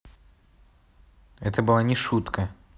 это была не шутка